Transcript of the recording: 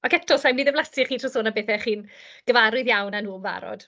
Ac eto, sa i'n mynd i ddiflasu chi trwy sôn am bethe chi'n gyfarwydd iawn â nhw'n barod.